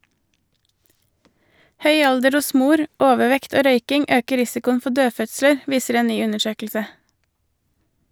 Høy alder hos mor, overvekt og røyking øker risikoen for dødfødsler , viser en ny undersøkelse.